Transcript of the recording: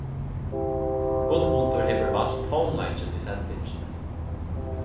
gudmundur hevur valt tónleikin í sendingini